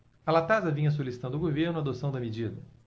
a latasa vinha solicitando ao governo a adoção da medida